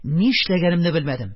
Ни эшләгәнемне белмәдем,